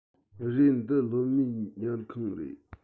རེད འདི སློབ མའི ཉལ ཁང རེད